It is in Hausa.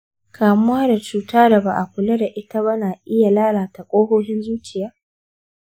kamuwa da cuta da ba a kula da ita ba na iya lalata ƙofofin zuciya?